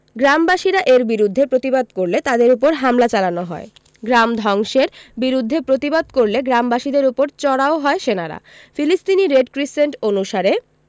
গ্রামবাসীরা এর বিরুদ্ধে প্রতিবাদ করলে তাদের ওপর হামলা চালানো হয় গ্রাম ধ্বংসের বিরুদ্ধে প্রতিবাদ করলে গ্রামবাসীদের ওপর চড়াও হয় সেনারা ফিলিস্তিনি রেড ক্রিসেন্ট অনুসারে